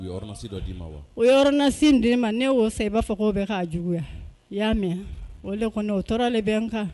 Ma ne i'a fɔ juguya y'a mɛn o de kɔnɔ o tora de bɛ kan